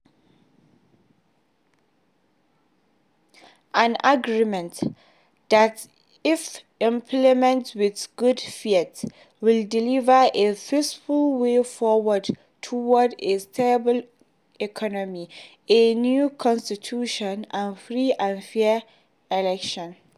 An agreement that if implemented with good faith, will deliver a peaceful way forward toward a stable economy, a new constitution and free and fair elections.